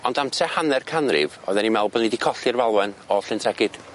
Ond am tue hanner canrif oddan ni me'wl bo' ni 'di colli'r falwen o Llyn Tegid.